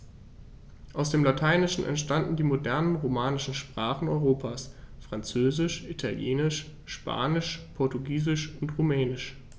Aus dem Lateinischen entstanden die modernen „romanischen“ Sprachen Europas: Französisch, Italienisch, Spanisch, Portugiesisch und Rumänisch.